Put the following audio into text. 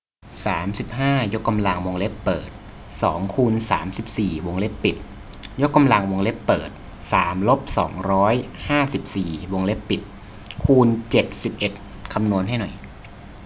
สามสิบห้ายกกำลังวงเล็บเปิดสองคูณสามสิบสี่วงเล็บปิดยกกำลังวงเล็บเปิดสามลบสองร้อยห้าสิบสี่วงเล็บปิดคูณเจ็ดสิบเอ็ดคำนวณให้หน่อย